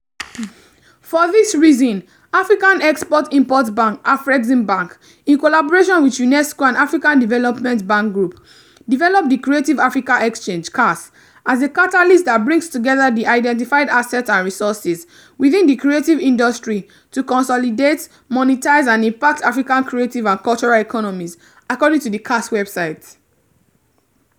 For this reason, African Export-Import Bank (Afreximbank) in collaboration with UNESCO and African Development Bank Group, developed the Creative Africa Exchange (CAX) as a "catalyst that brings together the identified assets and resources within the creative industry" to consolidate, monetize and impact African creative and cultural economies, according to the CAX website.